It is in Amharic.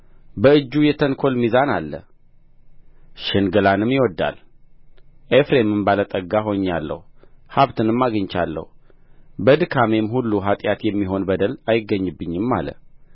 በእጁ የተንኰል ሚዛን አለ ሽንገላንም ይወድዳል ኤፍሬምም ባለ ጠጋ ሆኜአለሁ ሀብትንም አግኝቻለሁ በድካሜም ሁሉ ኃጢአት የሚሆን በደል አይገኝብኝም አለ